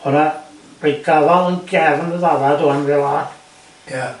ona rei gafal yn gefn y ddafad ŵan fela... Ia..